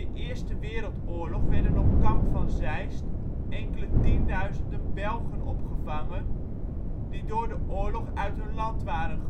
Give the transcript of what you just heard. Eerste Wereldoorlog werden op ' Kamp van Zeist ' enkele tienduizenden Belgen opgevangen die door de oorlog uit hun land waren gevlucht